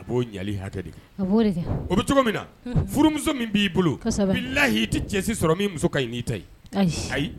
b'o ɲɛli hakɛ de kɛ, a b'o de kɛ, o bɛ cogo min, furumuso min b'i bolo, kosɛbɛ, bilahi i tɛ cɛ si sɔrɔ min muso ka ɲi n'i ta ye